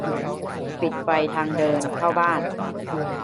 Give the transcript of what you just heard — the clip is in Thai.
ปิดไฟทางเดินเข้าบ้าน